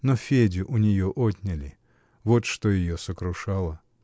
но Федю у нее отняли: вот что ее сокрушало.